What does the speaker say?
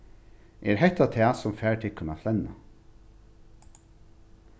er hetta tað sum fær tykkum at flenna